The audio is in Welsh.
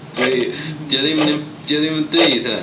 Dwi- 'di o ddim, 'di o ddim yn deud hynna.